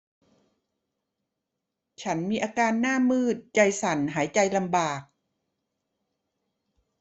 ฉันมีอาการหน้ามืดใจสั่นหายใจลำบาก